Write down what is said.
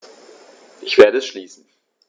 Ich werde es schließen.